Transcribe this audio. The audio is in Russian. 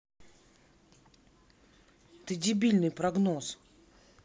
ты дебильный прогноз